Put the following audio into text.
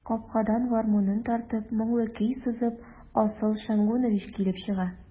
Капкадан, гармунын тартып, моңлы көй сызып, Асыл Шәмгунович килеп чыга.